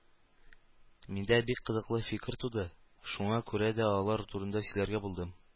Миндә бик кызыклы фикер туды, шуңа күрә дә алар турында сөйләргә булдым